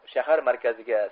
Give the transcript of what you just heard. shahar markaziga